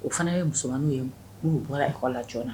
O fana ye musoman ye oluolu bɔrakɔ lajɔn na